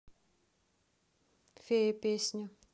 фея песня